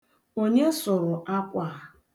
Onye sụrụ akwa a?